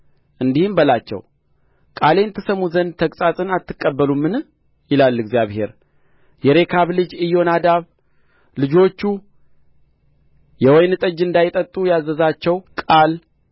እንዲህም በላቸው ቃሌን ትሰሙ ዘንድ ተግሣጽን አትቀበሉምን ይላል እግዚአብሔር የሬካብ ልጅ ኢዮናዳብ ልጆቹ የወይን ጠጅ እንዳይጠጡ ያዘዛቸው ቃል